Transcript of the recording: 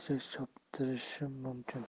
yil ot choptirishim mumkin